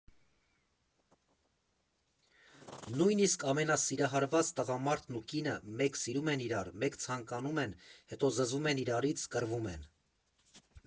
Նույնիսկ ամենասիրահարված տղամարդն ու կինը մեկ սիրում են իրար, մեկ՝ ցանկանում են, հետո զզվում են իրարից, կռվում են։